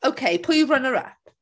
Ok pwy yw'r runner up?